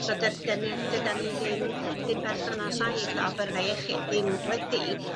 So 'dy- 'dyn ni o dydan ni ddim pump allan o saith o byrdde iechyd ddim wedi